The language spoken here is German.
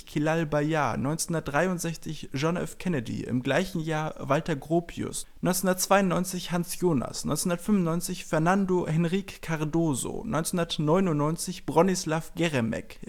Celal Bayar, 1963 John F. Kennedy, 1963 Walter Gropius, 1992 Hans Jonas, 1995 Fernando Henrique Cardoso, 1999 Bronislaw Geremek